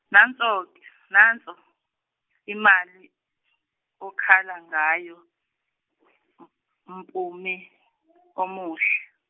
nanso ke nanso, imali okhala ngayo , M- Mpumi omuhle.